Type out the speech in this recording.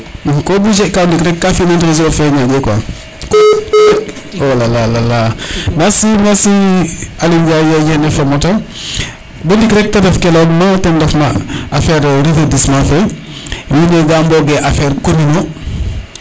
ko bouger ka o ndik rek ka fi nen reseau of fe ñaƴe o lala lala merci merci Aiou Ndiaye yene fa mota bo ndiik ref te ref ke leyog ma ten ref na affaire reverdissement fe wiin ga mboge affaire commune o